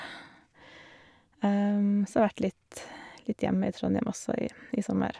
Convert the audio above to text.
Så vært litt litt hjemme i Trondhjem også i i sommer.